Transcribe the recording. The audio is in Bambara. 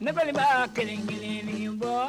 Ne balima kelen kelen bɔ